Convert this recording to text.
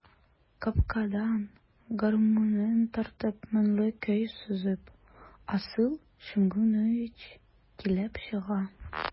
Капкадан, гармунын тартып, моңлы көй сызып, Асыл Шәмгунович килеп чыга.